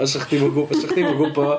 A 'sech chdi'm gwbod 'sech chdi'm yn gwbod.